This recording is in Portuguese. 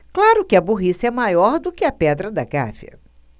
claro que a burrice é maior do que a pedra da gávea